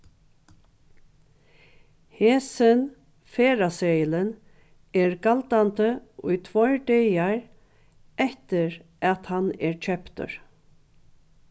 hesin ferðaseðilin er galdandi í tveir dagar eftir at hann er keyptur